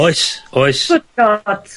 Oes oes. Good God